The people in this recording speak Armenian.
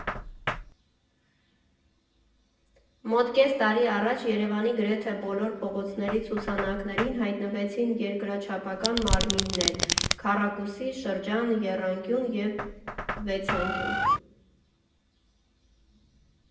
Մոտ կես տարի առաջ Երևանի գրեթե բոլոր փողոցների ցուցանակներին հայտնվեցին երկրաչափական մարմիններ՝ քառակուսի, շրջան, եռանկյուն և վեցանկյուն։